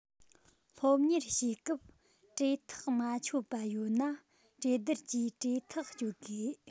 སློབ གཉེར བྱེད སྐབས དྲས ཐག མ ཆོད པ ཡོད ན གྲོས བསྡུར གྱིས དྲས ཐག གཅོད དགོས